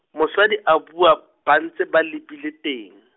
mosadi a bua, ba ntse ba lebile teng.